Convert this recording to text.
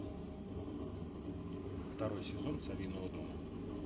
второй сезон совиного дома